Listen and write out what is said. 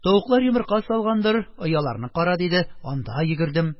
Тавыклар йомырка салгандыр, ояларны кара, диде, - анда йөгердем.